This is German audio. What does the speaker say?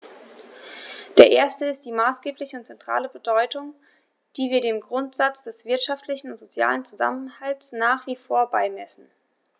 Der erste ist die maßgebliche und zentrale Bedeutung, die wir dem Grundsatz des wirtschaftlichen und sozialen Zusammenhalts nach wie vor beimessen.